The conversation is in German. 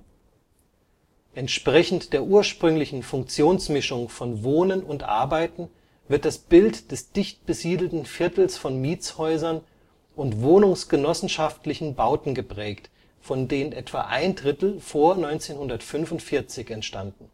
Entsprechend der ursprünglichen Funktionsmischung von Wohnen und Arbeiten wird das Bild des dichtbesiedelten Viertels von Mietshäusern und wohnungsgenossenschaftlichen Bauten geprägt, von denen etwa ein Drittel vor 1945 entstanden